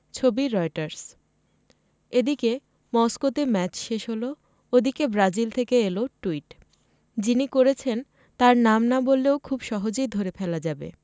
ছবি রয়টার্স এদিকে মস্কোতে ম্যাচ শেষ হলো ওদিকে ব্রাজিল থেকে এল টুইট যিনি করেছেন তাঁর নাম না বললেও খুব সহজেই ধরে ফেলা যাবে